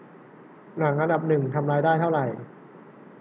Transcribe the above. หนังอันดับหนึ่งทำรายได้เท่าไหร่